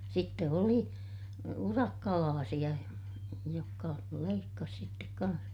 sitten oli urakkalaisia jotka leikkasi sitten kanssa